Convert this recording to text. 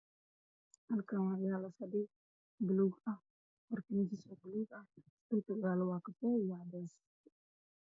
Halkan waxa yala fadhi bulug ah qolku yalo wa kafe